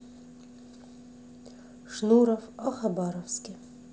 шнуров о хабаровске